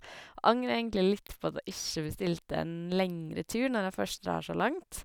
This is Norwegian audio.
Angrer egentlig litt på at jeg ikke bestilte en lengre tur når jeg først drar så langt.